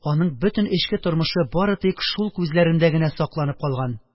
Аның бөтен эчке тормышы бары тик шул күзләрендә генә сакланып калган